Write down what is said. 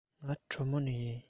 ང གྲོ མོ ནས ཡིན